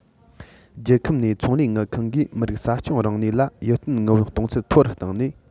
རྒྱལ ཁབ ནས ཚོང ལས དངུལ ཁང གིས མི རིགས རང སྐྱོང ས གནས ལ ཡིན རྟོན དངུལ བུན གཏོང ཚད མཐོ རུ བཏང ནས